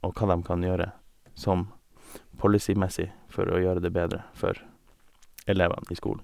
Og hva dem kan gjøre som policy-messig for å gjøre det bedre for elevene i skolen.